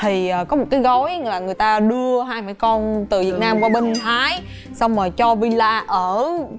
thì có một cái gói là người ta đưa hai mẹ con từ việt nam qua bên thái xong rồi cho vi la ở